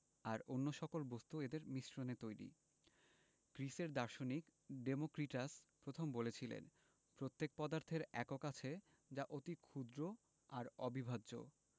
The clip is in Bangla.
আর অন্য সকল বস্তু এদের মিশ্রণে তৈরি গ্রিসের দার্শনিক ডেমোক্রিটাস প্রথম বলেছিলেন প্রত্যেক পদার্থের একক আছে যা অতি ক্ষুদ্র আর অবিভাজ্য